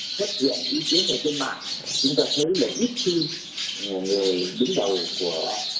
xuất hiện ý kiến ở trên mạng chúng ta thấy mình ít khi người đứng đầu của